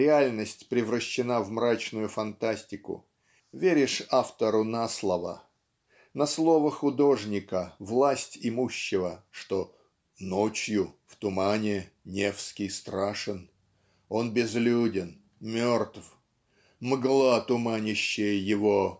Реальность превращена в мрачную фантастику. Веришь автору на слово на слово художника власть имущего что "ночью в тумане Невский страшен. Он безлюден, мертв мгла туманящая его